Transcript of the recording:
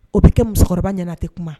O bɛ kɛ musokɔrɔba ɲɛna tɛ kuma